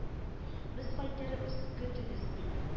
Без кайтырбыз, көтегез , дип